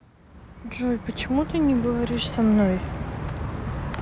джой почему ты не говоришь со мной